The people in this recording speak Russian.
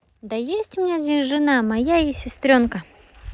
да есть у меня здесь жена моя и сестренка